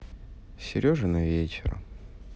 сереже не вечер